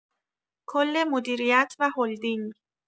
کل مدیریت و هلدینگ